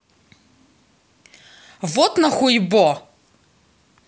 вот нахуйибо